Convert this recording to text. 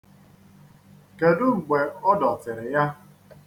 Kedu mgbe ọ dọtịrị ya?